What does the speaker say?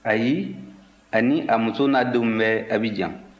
ayi a ni a muso n'a denw bɛ abijan